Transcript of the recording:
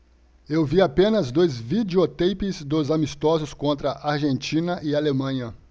eu vi apenas dois videoteipes dos amistosos contra argentina e alemanha